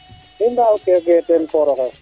i ndaw koge teen koroxe